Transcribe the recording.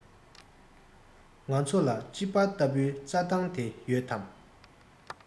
ང ཚོ ལ དཔྱིད དཔལ ལྟ བུའི རྩ ཐང དེ ཡོད དམ